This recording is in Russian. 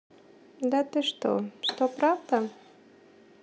да ты что что правда